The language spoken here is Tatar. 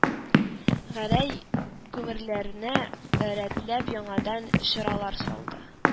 Гәрәй күмерләрне рәтләп, яңадан чыралар салды